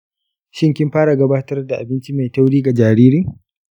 shin kin fara gabatar da abinci mai tauri ga jaririn?